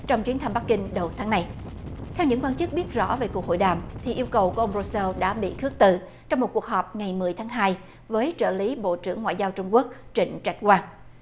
trong chuyến thăm bắc kinh đầu tháng này theo những quan chức biết rõ về cuộc hội đàm thì yêu cầu của ông rô seo đã bị khước từ trong một cuộc họp ngày mười tháng hai với trợ lý bộ trưởng ngoại giao trung quốc trịnh trạch quang